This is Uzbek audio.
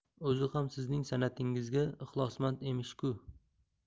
o'zi ham sizning sanatingizga ixlosmand emish ku